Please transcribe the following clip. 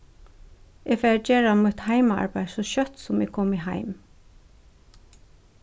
eg fari at gera mítt heimaarbeiði so skjótt sum eg komi heim